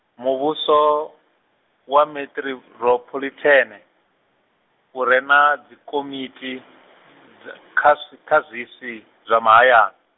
muvhuso wa meṱirophoḽitheni u re na dzi komithi kha zw- kha zwisi zwa mahayani.